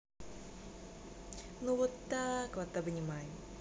ну вот так вот обнимаю